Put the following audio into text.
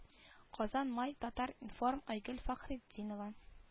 Казан май татар-информ айгөл фәхретдинова